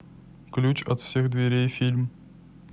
ключ от всех дверей фильм